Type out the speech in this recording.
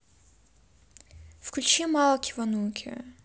включи майкл кивануки